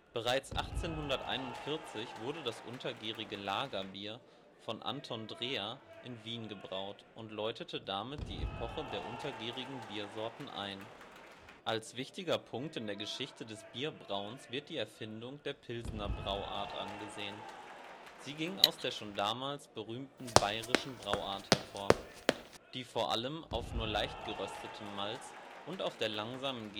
Bereits 1841 wurde das untergärige Lagerbier von Anton Dreher in Wien gebraut und läutete damit die Epoche der untergärigen Biersorten ein. Als wichtiger Punkt in der Geschichte des Bierbrauens wird die " Erfindung " der Pilsner Brauart angesehen. Sie ging aus der schon damals berühmten Bayerischen Brauart hervor, die vor allem auf nur leicht geröstetem Malz und auf der langsamen